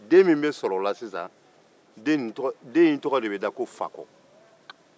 den min bɛ sɔrɔ o la sisan den in tɔgɔ de bɛ da ko fakɔ